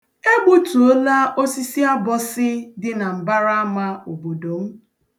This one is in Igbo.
E gbutuola osisi abọsị dị na mbara ama obodo m.